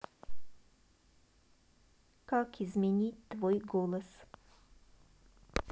как изменить твой голос